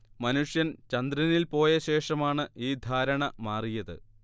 മനുഷ്യൻ ചന്ദ്രനിൽ പോയ ശേഷമാണ് ഈ ധാരണ മാറിയത്